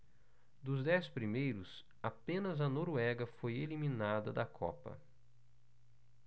dos dez primeiros apenas a noruega foi eliminada da copa